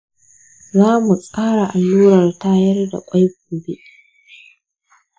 za mu tsara allurar tayar da ƙwai gobe.